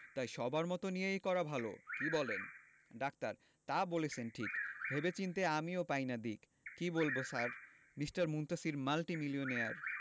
তাই সবার মত নিয়েই করা ভালো কি বলেন ডাক্তার তা বলেছেন ঠিক ভেবে চিন্তে আমিও পাই না দিক কি বলব স্যার মিঃ মুনতাসীর মাল্টিমিলিওনার